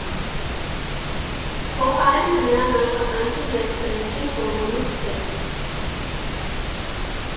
Փոխարենը նրան աշխատանքի վերցրեցին «Կոմունիստ» թերթ.